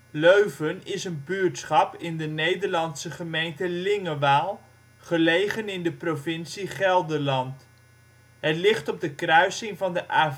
Leuven is een buurtschap in de Nederlandse gemeente Lingewaal, gelegen in de provincie Gelderland. Het ligt op de kruising van de A15